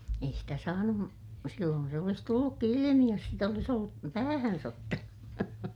ei sitä saanut silloin se olisi tullutkin ilmi jos sitä olisi ollut päähänsä ottanut